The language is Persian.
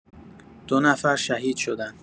دو نفر شهید شدن.